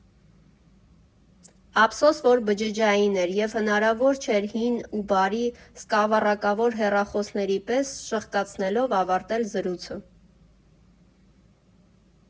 Ափսոս որ բջջային էր, և հնարավոր չէր հին ու բարի սկավառակավոր հեռախոսների պես շրխկացնելով ավարտել զրույցը։